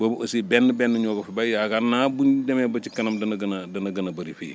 boobu aussi benn benn ñoo ko fa béy yaakaar naa bu ñu demee ba ci kanam dana gën a dana gën a bëri fii